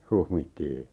huhmittiin